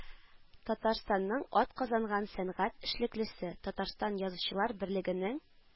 Татарстанның атказанган сәнгать эшлеклесе , Татарстан Язучылар берлегенең